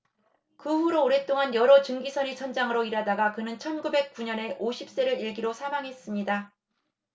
그 후로 오랫동안 여러 증기선의 선장으로 일하다가 그는 천 구백 구 년에 오십 세를 일기로 사망했습니다